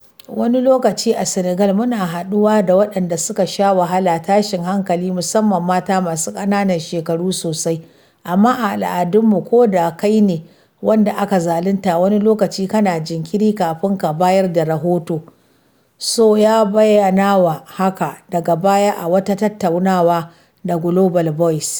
Wani lokaci a Senegal, muna haɗuwa da waɗanda suka sha wahalar tashin hankali, musamman mata masu ƙananan shekaru sosai, amma a al’adunmu, ko da kai ne wanda aka zalunta, wani lokaci kana jinkiri kafin ka bayar da rahoto,” Sow ya bayyana haka daga baya a wata tattaunawa da Global Voices.